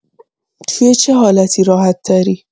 توی چه حالتی راحت‌تری؟